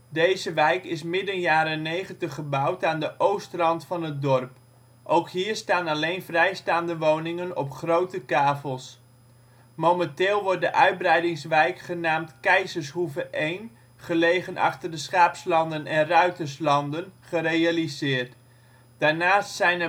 Deze wijk is midden jaren ' 90 gebouwd aan de oostrand van het dorp. Ook hier staan alleen vrijstaande woningen op grote kavels. Momenteel wordt de uitbreidingswijk genaamd Keizershoeve I, gelegen achter de Schaapslanden & Ruiterslanden gerealiseerd. Daarnaast zijn